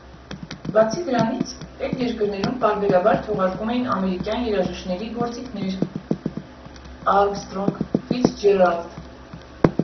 Բացի դրանից, էդ երկրներում պարբերաբար թողարկվում էին ամերիկյան երաժիշտների գործեր՝ Արմսթրոգ, Ֆիցջերալդ։